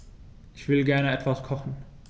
Ich will gerne etwas kochen.